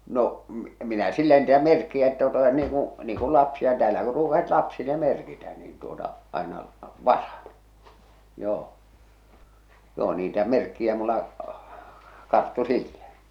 no - minä sillä niitä merkkejä että tuota niin kuin niin kuin lapsia täällä kun ruukasivat lapsille merkitä niin tuota aina vasan joo joo niitä merkkejä minulla karttui sillä